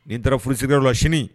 Nin taara furusɛ la sini